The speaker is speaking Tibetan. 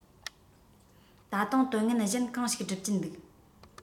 ད དུང དོན ངན གཞན གང ཞིག སྒྲུབ ཀྱིན འདུག